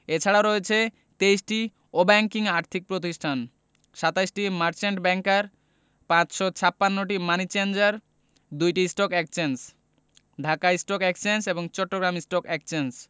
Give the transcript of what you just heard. এছাড়াও রয়েছে ২৩টি অব্যাংকিং আর্থিক প্রতিষ্ঠান ২৭টি মার্চেন্ট ব্যাংকার ৫৫৬টি মানি চেঞ্জার ২টি stock exchange Dhaka stock exchange এবং চট্টগ্রাম স্টক এক্সচেঞ্জ